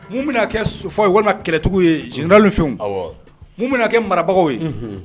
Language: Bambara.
Mun bɛna kɛ fɔ ye walima kɛlɛtigiw ye jda mun bɛna kɛ marabagaw ye